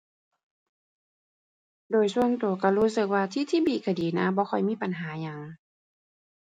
โดยส่วนตัวตัวรู้สึกว่า TTB ตัวดีนะบ่ค่อยมีปัญหาหยัง